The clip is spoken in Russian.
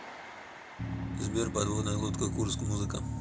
сбер подводная лодка курск музыка